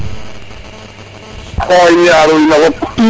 xoxin i aru ino fop